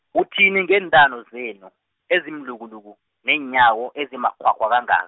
uthini ngeentamo zenu, ezimlukuluku neenyawo, ezimakghwakghwa kangaka.